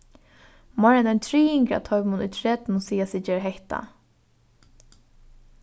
meir enn ein triðingur av teimum í tretivunum siga seg gera hetta